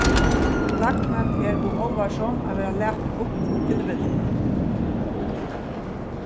lagnan er ov álvarsom at verða latin upp til tilvildina